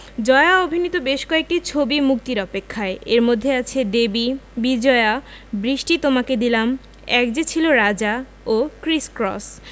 জয়া অভিনীত বেশ কয়েকটি ছবি মুক্তির অপেক্ষায় এর মধ্যে আছে দেবী বিজয়া বৃষ্টি তোমাকে দিলাম এক যে ছিল রাজা ও ক্রিস ক্রস